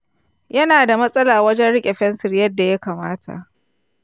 yana da matsala wajen riƙe fensir yadda ya kamata.